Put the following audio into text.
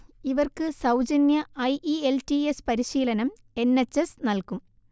ഇവർക്ക് സൗജന്യ IELTS പരിശീലനം എൻ എച്ച് എസ് നൽകും